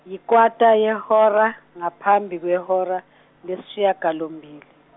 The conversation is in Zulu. yikwata yehora ngaphambi kwehora lesishiyagalombili.